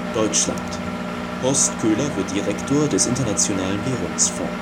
Deutschland: Horst Köhler wird Direktor des Internationalen Währungsfonds